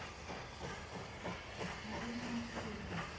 водное четыре